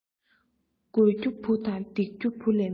དགོས རྒྱུ བུ དང འདེགས རྒྱུ བུ ལས མེད